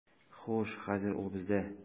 Хуш, хәзер ул бездә.